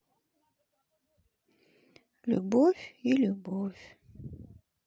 любовь и любовь